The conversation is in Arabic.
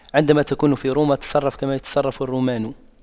عندما تكون في روما تصرف كما يتصرف الرومان